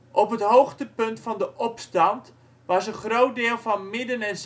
Op het hoogtepunt van de opstand was een groot deel van Midden - en